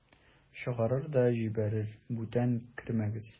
Чыгарыр да җибәрер: "Бүтән кермәгез!"